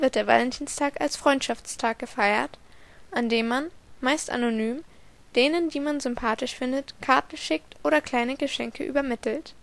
der Valentinstag als „ Freundschaftstag “gefeiert, an dem man − meist anonym − denen, die man sympathisch findet, Karten schickt oder kleine Geschenke übermittelt